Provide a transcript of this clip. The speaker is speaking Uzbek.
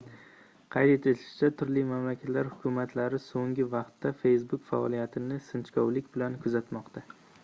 qayd etilishicha turli mamlakatlar hukumatlari so'nggi vaqtda facebook faoliyatini sinchkovlik bilan kuzatmoqda